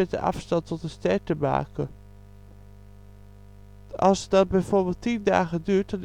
de afstand tot de ster te maken. Als dat bijvoorbeeld tien dagen duurt